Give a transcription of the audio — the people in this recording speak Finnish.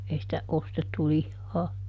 ei sitä ostettu lihaa